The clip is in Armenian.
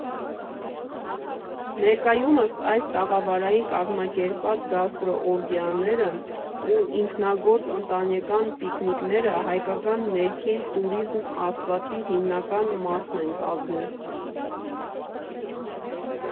Ներկայումս այս տաղավարային կազմակերպված գաստրոօրգիաներն ու ինքնագործ ընտանեկան պիկնիկները հայկական ներքին տուրիզմ ասվածի հիմնական մասն են կազմում։